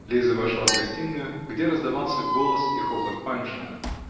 Лиза вошла в гостиную, где раздавался голос и хохот Паншина